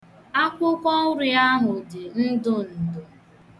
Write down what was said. Akwụkwọnri ahụ dị ndụndụ.